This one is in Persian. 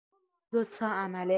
دو تا عمله؟!